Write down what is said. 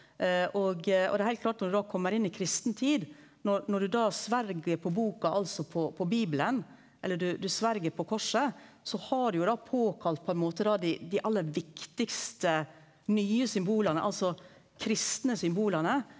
og og det er heilt klart når du da kjem inn i kristen tid når når du da sver på boka altså på på bibelen eller du du sver på korset så har du jo da påkalla på ein måte då dei dei aller viktigaste nye symbola, altså kristne symbola.